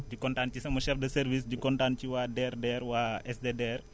di kontaan si sama chef de service di kontaan si waa DRDR waa SDDR